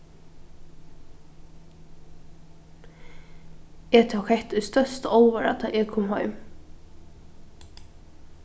eg tók hetta í størsta álvara tá eg kom heim